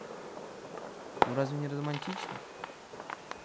ну разве не романтично